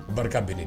Barika bɛ